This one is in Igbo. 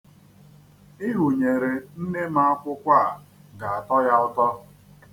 Ihunyere Nne m akwụkwọ a ga-atọ ya ụtọ.